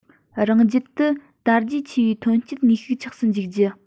རང རྒྱལ དུ དར རྒྱས ཆེ བའི ཐོན སྐྱེད ནུས ཤུགས ཆགས སུ འཇུག རྒྱུ